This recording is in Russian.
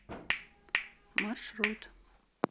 маршрут